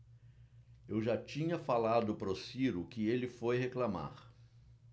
eu já tinha falado pro ciro que ele foi reclamar